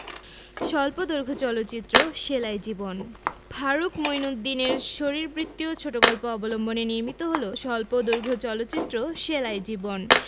স্বল্পদৈর্ঘ্য চলচ্চিত্র সেলাই জীবন ফারুক মইনউদ্দিনের শরীরবৃত্তীয় ছোট গল্প অবলম্বনে নির্মিত হল স্বল্পদৈর্ঘ্য চলচ্চিত্র সেলাই জীবন